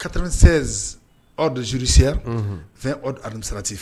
96 ordres judiciaires, 20 ordres administratifs